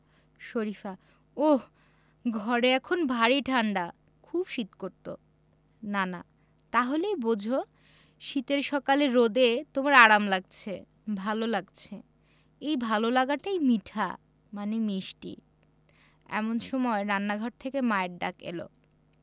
শরিফা ওহ ঘরে এখন ভারি ঠাণ্ডা খুব শীত করত নানা তা হলেই বোঝ শীতের সকালে রোদে তোমার আরাম লাগছে ভালো লাগছে এই ভালো লাগাটাই মিঠা মানে মিষ্টি এমন সময় রান্নাঘর থেকে মায়ের ডাক এলো